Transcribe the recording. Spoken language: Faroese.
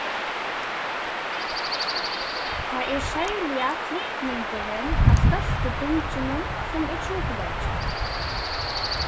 tað er serliga flutningurin av størstu bingjunum sum er trupulleikin